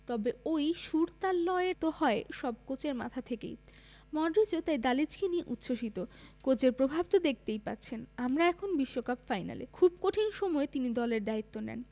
তবে ওই সুর তাল লয়ের তো হয় সব কোচের মাথা থেকেই মডরিচও তাই দালিচকে নিয়ে উচ্ছ্বসিত কোচের প্র্রভাব তো দেখতেই পাচ্ছেন আমরা এখন বিশ্বকাপ ফাইনালে খুব কঠিন সময়ে তিনি দলের দায়িত্ব নেন